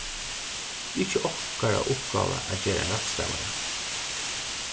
tað er ikki okkara uppgáva at gera ein rættstavara